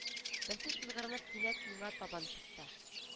Берсе сызгырынып кинәт миңа табан чыкты